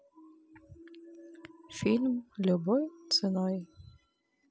фильм любой ценой